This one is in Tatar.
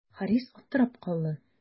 Харис аптырап калды.